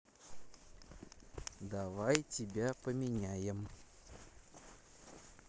давай тебя поменяем